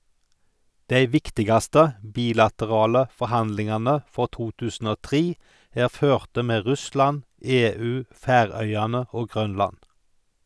Dei viktigaste bilaterale forhandlingane for 2003 er førte med Russland, EU, Færøyane og Grønland.